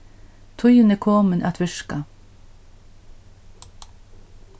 tíðin er komin at virka